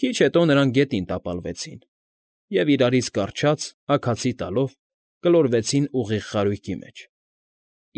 Քիչ հետո նրանք գետին տապալվեցին և, իրարից կառչած, աքացի տալով, գլորվեցին ուղիղ խարույկի մեջ,